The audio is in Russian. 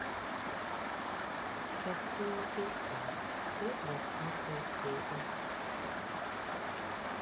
простые истины сто двадцатая серия